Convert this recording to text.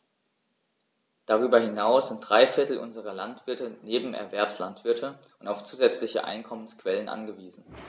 Darüber hinaus sind drei Viertel unserer Landwirte Nebenerwerbslandwirte und auf zusätzliche Einkommensquellen angewiesen.